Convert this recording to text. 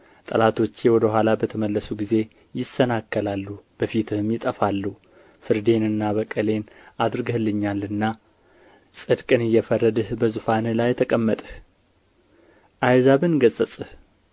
ጠላቶቼ ወደ ኋላ በተመለሱ ጊዜ ይሰናከላሉ ከፊትህም ይጠፋሉ ፍርዴንና በቀሌን አድርገህልኛልና ጽድቅን እየፈረድህ በዙፋንህ ላይ ተቀመጥህ አሕዛብን ገሠጽህ